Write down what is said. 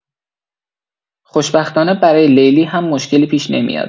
خوشبختانه برای لیلی هم مشکلی پیش نمیاد.